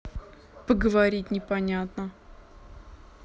по говорить не понятно